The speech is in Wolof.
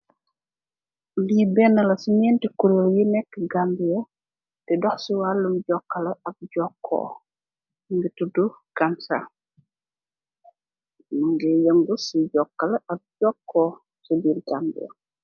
Li benna la ci ñénti kurel yi nekka Gambia, di dox ci walli jokaleh ak jóókó mugeh tuddu Gamcel . Mui yangu ci jokaleh ak jóókó .